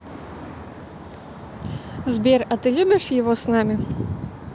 сбер а ты любишь его с нами